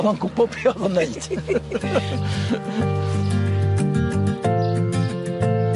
O'dd o'n gwbo' be' odd o'n neud.